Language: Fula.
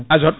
azote